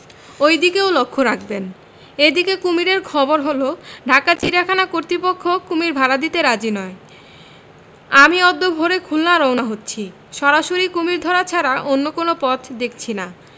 ঐ দিকেও লক্ষ রাখবেন এ দিকে কুমীরের খবর হল ঢাকা চিড়িয়াখানা কর্তৃপক্ষ কুমীর ভাড়া দিতে রাজী নন আমি অদ্য ভোরে খুলনা রওনা হচ্ছি সরাসরি কুমীর ধরা ছাড়া অন্য পথ দেখছি না